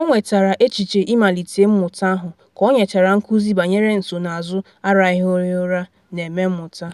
Ọ nwetara echiche ịmalite mmụta ahụ ka ọ nyechara nkuzi banyere nsonazụ arahụghị ụra na-eme mmụta.